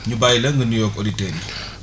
ñu bàyyi la nga nuyoog auditeurs yi